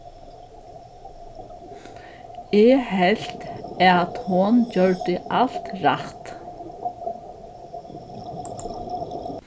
eg helt at hon gjørdi alt rætt